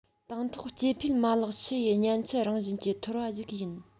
དང ཐོག སྐྱེ འཕེལ མ ལག ཕྱི ཡི གཉན ཚད རང བཞིན གྱི ཐོར བ ཞིག ཡིན